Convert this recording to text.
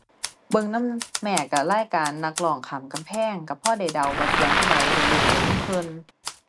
เบิ่งนำแม่ก็รายการนักร้องข้ามกำแพงก็พอได้เดาว่าเสียงผู้ใด ได้ลุ้นไปนำเพิ่น